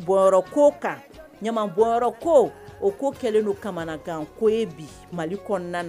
Ko kan ɲa ko o ko kɛlɛ kamanakan ko ye bi mali kɔnɔna